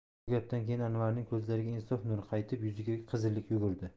bu gapdan keyin anvarning ko'zlariga insof nuri qaytib yuziga qizillik yugurdi